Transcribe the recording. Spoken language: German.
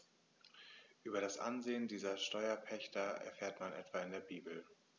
Über das Ansehen dieser Steuerpächter erfährt man etwa in der Bibel.